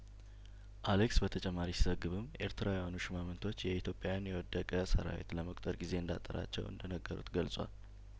አሌክስ በተጨማሪ ሲዘግብም ኤርትራዊያኑ ሹማምንቶች የኢትዮጵያን የወደቀ ሰራዊት ለመቁጠር ግዜ እንዳጠራቸው እንደነገሩት ገልጿል